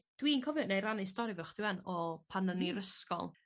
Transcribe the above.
Dwi'n cofio 'ne'i rannu stori 'fo chdi 'wan o pan o'n i'r ysgol